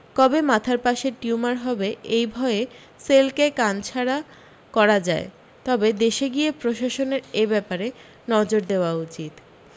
কবে মাথার পাশে টিউমার হবে এই ভয়ে সেলকে কানছাড়া করা যায় তবে দেশে গিয়ে প্রশাসনের এ ব্যাপারে নজর দেওয়া উচিত